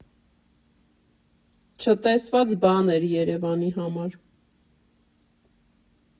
Չտեսնված բան էր Երևանի համար։